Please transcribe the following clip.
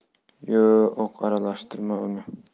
yo' o'q aralashtirma uni